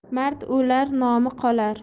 mard o'lar nomi qolar